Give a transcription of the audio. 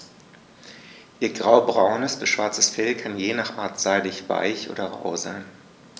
Ihr graubraunes bis schwarzes Fell kann je nach Art seidig-weich oder rau sein.